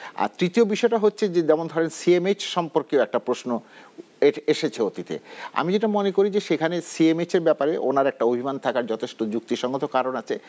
আর তৃতীয় বিষয়টা হচ্ছে যেমন ধরেন সিমের সম্পর্কে একটা প্রশ্ন এসেছে অতীতে আমি যেটা মনে করি যে সেখানে সিএমএইচের ব্যাপারে উনার একটু অভিমান থাকার যথেষ্ট যুক্তিসঙ্গত কারণ আছে